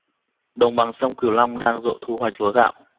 đồng bằng sông cửu long đang rộ thu hoạch lúa gạo